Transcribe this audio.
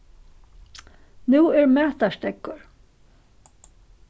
nú er matarsteðgur